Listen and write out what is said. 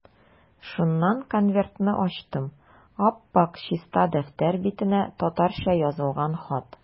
Шуннан конвертны ачтым, ап-ак чиста дәфтәр битенә татарча язылган хат.